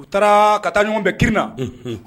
U taara ka taa ɲɔgɔn bɛɛ kirinna